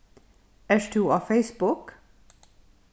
ert tú á facebook